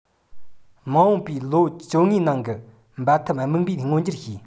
མ འོངས པའི ལོ བཅོ ལྔའི ནང གི འབད འཐབ དམིགས འབེན མངོན འགྱུར བྱེད